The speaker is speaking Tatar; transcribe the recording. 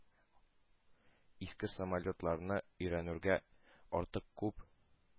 Иске самолетларны өйрәнүгә артык күп